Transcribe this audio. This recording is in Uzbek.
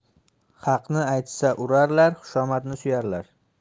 haqni aytsa urarlar xushomadni suyarlar